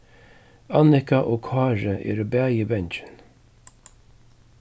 annika og kári eru bæði bangin